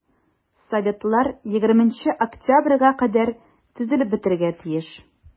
Советлар 20 октябрьгә кадәр төзелеп бетәргә тиеш.